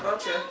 ok